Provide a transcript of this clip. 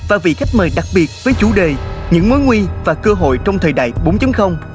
và vị khách mời đặc biệt với chủ đề những mối nguy và cơ hội trong thời đại bốn chấm không